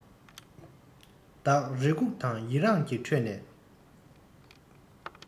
བདག རེ སྒུག དང ཡི རངས ཁྲོད ནས